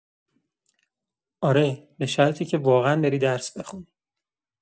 آره، به شرطی که واقعا بری درس بخونی.